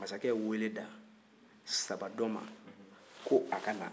masakɛ ye weele da sabadɔn ma ko a ka na